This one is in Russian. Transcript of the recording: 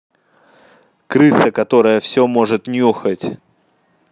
крыса которая все может нюхать